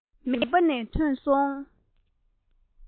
མེད པར མགྲིན པ ནས ཐོན སོང